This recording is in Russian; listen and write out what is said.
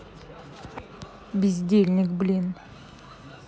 бездельник блин